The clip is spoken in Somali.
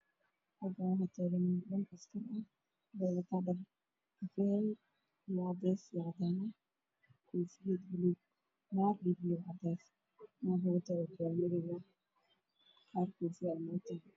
Halkaan waxaa taagan niman askar ah Waxay wadataa dhar kafay ah cadays iyo cadaan ah iyo koofiyad baluug ah cagaar iyo cadays iyo waxay wataan ookiyaalo madow ah